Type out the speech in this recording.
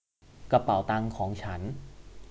กระเป๋าตังของฉัน